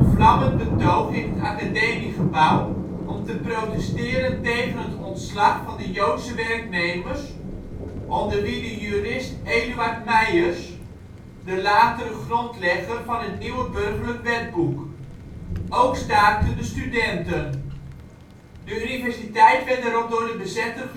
vlammend betoog in het Academiegebouw om te protesteren tegen het ontslag van de joodse werknemers, onder wie de jurist Eduard Meijers, de latere grondlegger van het nieuwe Burgerlijk Wetboek. Ook staakten de studenten. De universiteit werd daarop door de bezetter